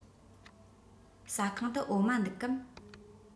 ཟ ཁང དུ འོ མ འདུག གམ